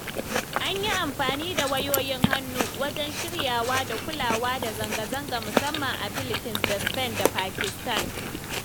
An yi amfani da wayoyin hannu wajen shiryawa da kula da zangazanga, musamman a Philphines da Spain da Pakistan.